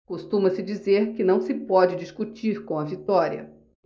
costuma-se dizer que não se pode discutir com a vitória